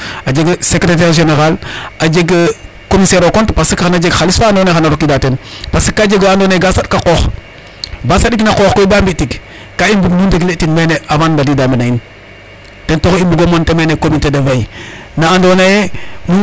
Comité de veille nene xan a jeg président, a jeg sécrétaire général ,a jeg commissaire au compte. Parce xan a jeg xaalis fa andoona ye xan a rokiida teen parce que ka jeg wa andoona yee ga saɗka qoox ba sadiq na a qoox koy ba mbi' tig ka i mbugnu ndegletin mene avant nu mbadiida men a in ten taxu i mbug o monter mene comité de veille na andoona yee nu nga'anga o kiin ta goda kan nqooykan.